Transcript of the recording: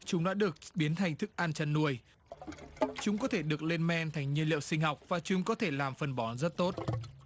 chúng đã được biến thành thức ăn chăn nuôi chúng có thể được lên men thành nhiên liệu sinh học và chúng có thể làm phân bón rất tốt